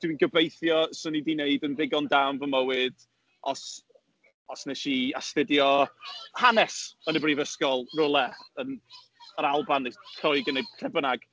Dwi'n gobeithio 'swn i 'di wneud yn ddigon da yn fy mywyd os os wnes i astudio hanes yn y brifysgol rywle, yn yr Alban neu Lloegr neu lle bynnag.